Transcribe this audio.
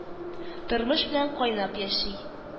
Тормыш белән кайнап яши